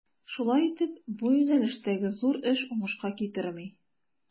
Шулай итеп, бу юнәлештәге зур эш уңышка китерми.